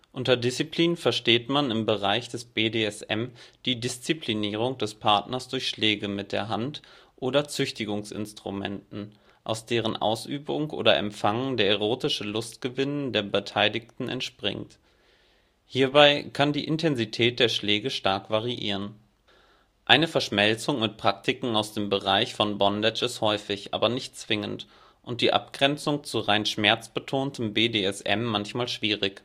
Unter Discipline versteht man im Bereich des BDSM die Disziplinierung des Partners durch Schläge mit der Hand oder „ Züchtigungsinstrumenten “, aus deren Ausübung oder Empfang der erotische Lustgewinn der Beteiligten entspringt. Hierbei kann die Intensität der Schläge stark variieren. Eine Verschmelzung mit Praktiken aus dem Bereich von Bondage ist häufig, aber nicht zwingend und die Abgrenzung zu rein schmerzbetontem BDSM manchmal schwierig